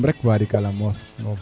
jam rek baarikala moom